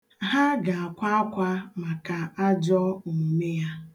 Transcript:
Ha ga-akwa akwa maka ajọọ omume ya.